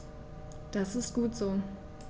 Das ist gut so.